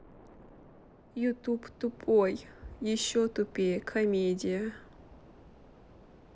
ютуб тупой еще тупее комедия